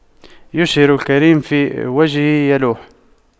بِشْرُ الكريم في وجهه يلوح